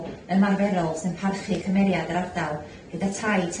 ymarferol sy'n parchu cymeriad yr ardal gyda tai tebyg